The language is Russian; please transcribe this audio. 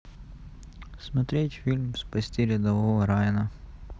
смотреть фильм спасти рядового райана